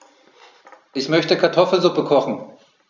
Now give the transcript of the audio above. Ich möchte Kartoffelsuppe kochen.